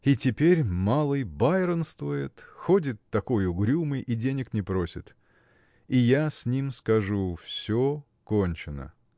И теперь малый байронствует, ходит такой угрюмый и денег не просит. И я с ним скажу: все кончено!